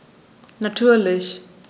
Natürlich.